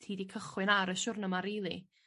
ti 'di cychwyn ar y siwrna ma' rili.